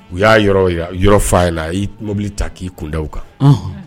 U y'a yɔrɔ fa la y'i mobili ta k'i kunda kan